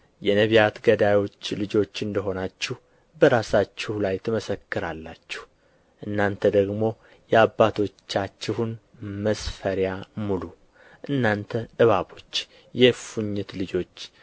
የነቢያት ገዳዮች ልጆች እንደሆናችሁ በራሳችሁ ላይ ትመሰክራላችሁ እናንተ ደግሞ የአባቶቻችሁን መስፈሪያ ሙሉ እናንተ እባቦች የእፉኝት ልጆች